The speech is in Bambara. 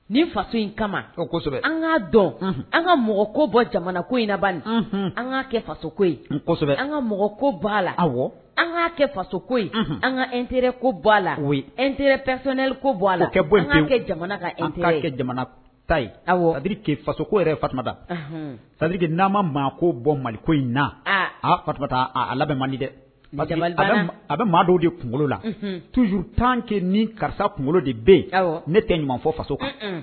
Ni faso in kama o kosɛbɛ an ka dɔn an ka mɔgɔ ko bɔ jamana ko in naba an ka kɛ fasoko an ka mɔgɔ ko a la aw an ka kɛ fasoko an ka e teri ko bɔ a la o e pfɛ ko bɔ a la bɔ jamana e kɛ jamana ta ye aw a ke fasoko yɛrɛda fa n'an ma maako bɔ maliko in na fata mali dɛ a bɛ maa dɔw de kunkolo la tuj tanke ni karisa kunkolo de bɛ ne tɛ ɲumanfɔ faso